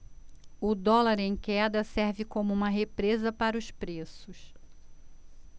o dólar em queda serve como uma represa para os preços